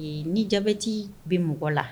Ni jati bɛ mɔgɔ la